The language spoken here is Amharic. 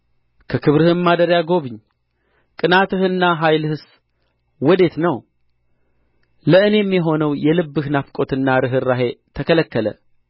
ከክብርህም ማደሪያ ጐብኝ ቅንዓትህና ኃይልህስ ወዴት ነው ለእኔም የሆነው የልብህ ናፍቆትና ርኅራኄህ ተከለከለ